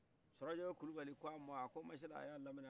surakajɛkɛ kulubali k'ama a ko masila aya laminai